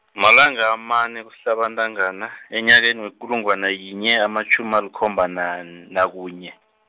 malanga amane kusihlaba intangana, enyakeni wekulungwana yinye, amatjhumi alikhomba nan-, nakunye.